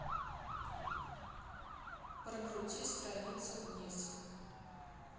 прокрути страницу вниз